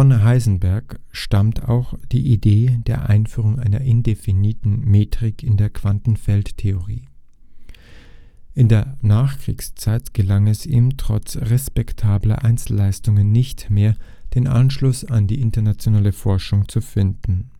Heisenberg stammt auch die Idee der Einführung einer indefiniten Metrik in der Quantenfeldtheorie. In der Nachkriegszeit gelang es ihm trotz respektabler Einzelleistungen nicht mehr, den Anschluss an die internationale Forschung zu finden